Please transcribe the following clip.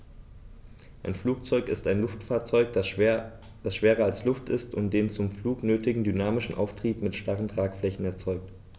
Ein Flugzeug ist ein Luftfahrzeug, das schwerer als Luft ist und den zum Flug nötigen dynamischen Auftrieb mit starren Tragflächen erzeugt.